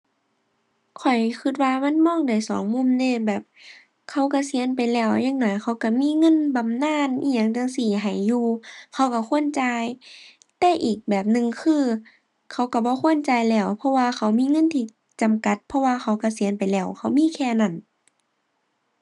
ข้อยคิดว่ามันมองได้สองมุมเดะ แบบเขาเกษียณไปแล้ว อย่างน้อยเขาคิดมีเงินบำนาญอิหยังจั่งซี้ให้อยู่ เขาคิดควรจ่าย แต่อีกแบบหนึ่งคือเขาคิดบ่ควรจ่ายแล้ว เพราะว่าเขามีเงินที่จำกัด เพราะว่าเขาเกษียณไปแล้ว เขามีแค่นั้น